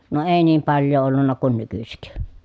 no ei niin paljoa ollut kuin nykyisin